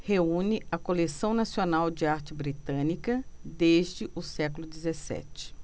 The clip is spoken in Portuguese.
reúne a coleção nacional de arte britânica desde o século dezessete